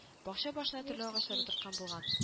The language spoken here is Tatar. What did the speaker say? Бакча башына төрле агачлар утырткан булган